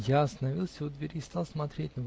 Я остановился у двери и стал смотреть